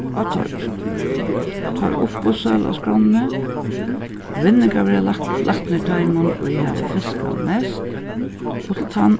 á torginum tá er uppboðssøla á skránni og vinningar verða latnir teimum ið hava fiskað mest og til tann